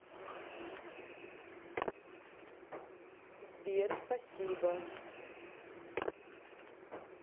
сбер спасибо